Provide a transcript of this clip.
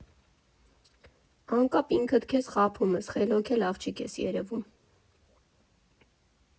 Անկապ ինքդ քեզ խաբում ես, խելոք էլ աղջիկ ես երևում։